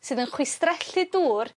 sydd yn chwistrellu dŵr